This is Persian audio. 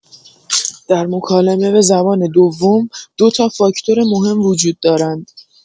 در مکالمه به زبان دوم، دوتا فاکتور مهم وجود دارند.